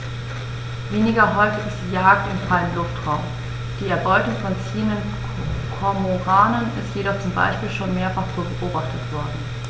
Weniger häufig ist die Jagd im freien Luftraum; die Erbeutung von ziehenden Kormoranen ist jedoch zum Beispiel schon mehrfach beobachtet worden.